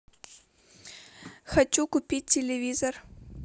хочу купить телевизор